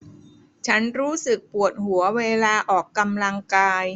ฉันรู้สึกปวดหัวเวลาออกกำลังกาย